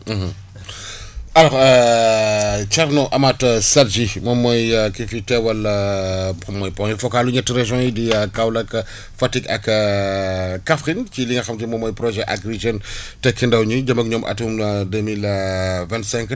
alors thierno Amath Sadji moom mooy ki fi teewal mooy point focal ñetti régions yi di Kaolack Fatick ak Kaffine ci li nga xam te ne moom mooy projet Agri Jeunes tekki ndaw ñi jëm ak ñoom atum deux mille vingt cinq